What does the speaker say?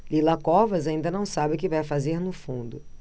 lila covas ainda não sabe o que vai fazer no fundo